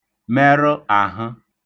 merə̣ àḣə̣